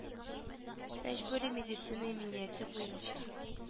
Мәҗбүри медицина иминияте буенча